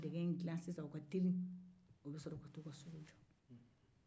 n'u ye dɛgɛ in dila u bɛ sorɔ ka taa u ka sugu la